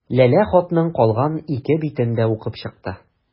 Ләлә хатның калган ике битен дә укып чыкты.